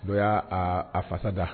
Dɔgɔ y'a a fasa da